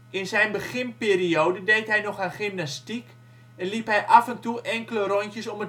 In zijn beginperiode deed hij nog aan gymnastiek en liep hij af en toe enkele rondjes om het